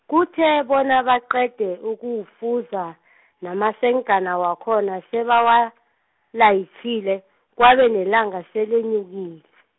kuthe bona baqede ukuwufuza , namasenkana wakhona sebawalayitjhile kwabe nelanga selenyuki- .